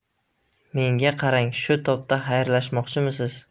menga qarang shu topda xayrlashmoqchimisiz